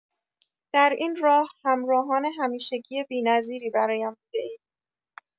در این راه، همراهان همیشگی بی‌نظیری برایم بوده‌اید.